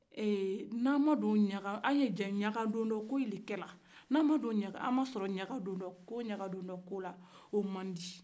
ee n'an ma don ɲaga ɛ ɲaga don dɔ koyi le kɛla n'an ma don ɲaga don ko min na o man di